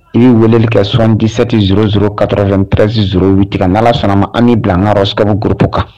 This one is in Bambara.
I weleli kɛ suran27ti0 katara2perezsizytigɛ n fana ma an bilakarayɔrɔs sababubu gurup kan